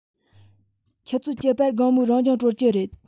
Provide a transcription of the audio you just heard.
ཆུ ཚོད བཅུ པར དགོང མོའི རང སྦྱོང གྲོལ གྱི རེད